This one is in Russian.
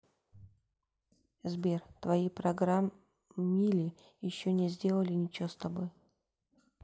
сбер твои программили еще не сделали ничего с тобой